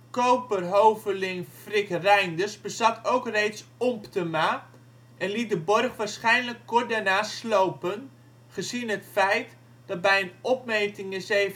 Koper hoveling Frick Reynders bezat ook reeds Ompteda en liet de borg waarschijnlijk kort daarna slopen, gezien het feit dat bij een opmeting in 1725